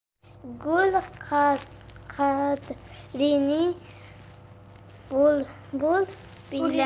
gul qadrini bulbul bilar